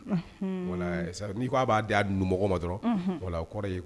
Walari'i ko a b'a di nimɔgɔ ma dɔrɔn wala kɔrɔ ye